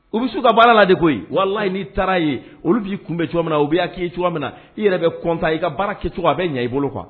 U bɛ su ka bɔla de ko walayi n'i taara ye olu b'i kun bɛ cogo min na obi k'i cogo min na i yɛrɛ bɛ kɔntan i ka baara kɛcogo a bɛ ɲɛ i bolo kuwa